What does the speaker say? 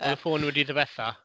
Oedd y ffôn wedi difetha?